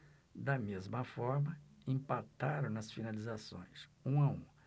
da mesma forma empataram nas finalizações um a um